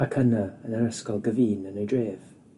ac yna yn yr ysgol gyfun yn ei dref.